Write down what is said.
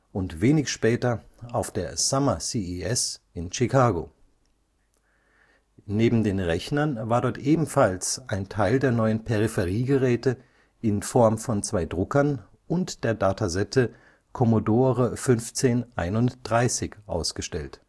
und wenig später auf der Summer CES in Chicago. Neben den Rechnern war dort ebenfalls ein Teil der neuen Peripheriegeräte in Form von zwei Druckern und der Datasette Commodore 1531 ausgestellt